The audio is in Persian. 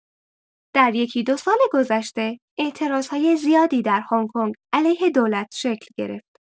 در یکی دو سال‌گذشته اعتراض‌های زیادی در هنگ‌کنگ علیه دولت شکل گرفت.